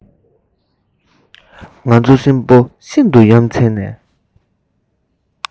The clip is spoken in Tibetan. ང ཚོ གསུམ པོ ཤིན ཏུ ཡ མཚན ནས